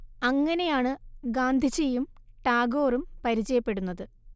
അങ്ങനെയാണ് ഗാന്ധിജിയും ടാഗോറും പരിചയപ്പെടുന്നത്